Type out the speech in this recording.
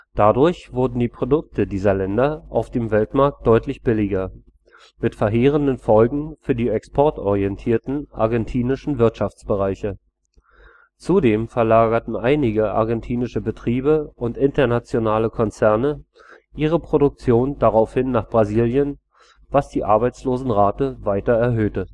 Dadurch wurden die Produkte dieser Länder auf dem Weltmarkt deutlich billiger, mit verheerenden Folgen für die exportorientierten argentinischen Wirtschaftsbereiche. Zudem verlagerten einige argentinische Betriebe und internationale Konzerne ihre Produktion daraufhin nach Brasilien, was die Arbeitslosenrate weiter erhöhte